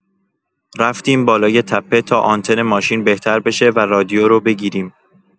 رفتیم بالای تپه تا آنتن ماشین بهتر بشه و رادیو رو بگیریم.